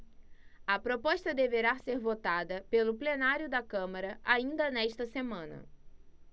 a proposta deverá ser votada pelo plenário da câmara ainda nesta semana